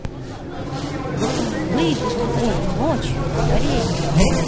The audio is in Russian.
выйду в поле ночью скорее